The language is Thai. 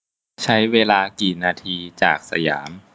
ใช้เวลากี่นาทีจากสยาม